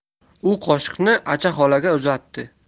u qoshiqni acha xolaga uzatdi